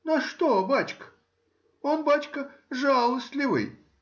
— На что, бачка,— он, бачка, жалостливый